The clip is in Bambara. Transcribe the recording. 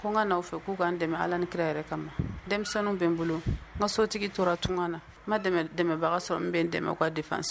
Ko n ka'a fɛ k'u ka dɛmɛ ala ni kira yɛrɛ kama denmisɛnninw bɛ n bolo n ma sotigi tora tun na n ma dɛmɛbaga sɔrɔ n bɛ dɛmɛ ka de fan